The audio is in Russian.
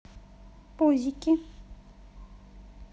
пузики